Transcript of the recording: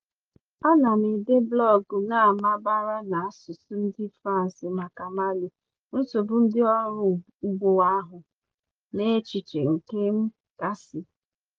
Ana m ede blọọgụ na Bambara na asụsụ ndị France maka Mali, nsogbu ndị ọrụ ugbo ahụ, na echiche nke m gasị.